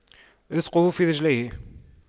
رِزْقُه في رجليه